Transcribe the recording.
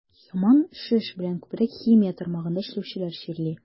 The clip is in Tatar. Яман шеш белән күбрәк химия тармагында эшләүчеләр чирли.